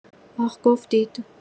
آخ گفتید!